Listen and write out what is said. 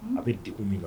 A bɛ dugu min la